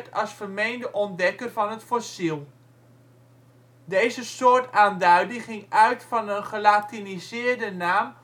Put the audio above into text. als vermeende ontdekker van het fossiel. Deze soortaanduiding ging uit van een gelatiniseerde naam